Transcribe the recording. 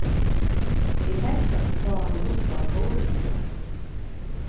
eg helt at eg sá hann mussa tórhild í gjár